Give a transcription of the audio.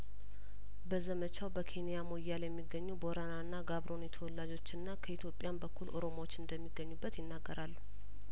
በዘመቻው በኬንያ ሞያሌ የሚገኙ ቦረና እና ጋብ ሮኒ ተወላጆችና ከኢትዮጵያም በኩል ኦሮሞዎች እንደሚገኙበት ይናገራሉ